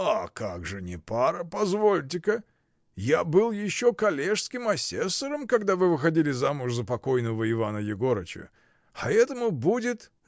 — А как же не пара, позвольте-ка: я был еще коллежским асессором, когда вы выходили замуж за покойного Иван Егорыча. А этому будет.